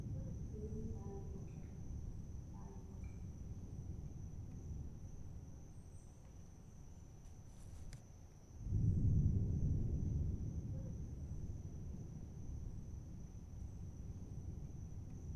Lii Dááli koket la dááli koket